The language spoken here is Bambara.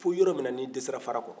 fo yɔrɔ minna n'i dɛsɛra farakɔrɔ